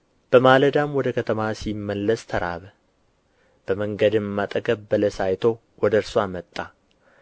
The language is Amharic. በማለዳም ወደ ከተማ ሲመለስ ተራበ በመንገድም አጠገብ በለስ አይቶ ወደ እርስዋ መጣ